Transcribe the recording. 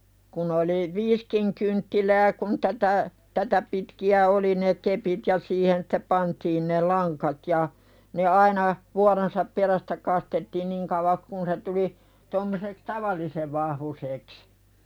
kun oli viisikin kynttilää kun tätä tätä pitkiä oli ne kepit ja siihen sitten pantiin ne langat ja ne aina vuoronsa perästä kastettiin niin kauaksi kuin se tuli tuommoiseksi tavallisen vahvuiseksi